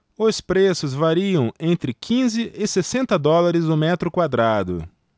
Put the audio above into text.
os preços variam entre quinze e sessenta dólares o metro quadrado